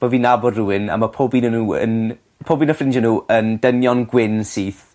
bo fi'n nabod rywun a ma' pob un u n'w yn pob un o ffrindie n'w yn dynion gwyn syth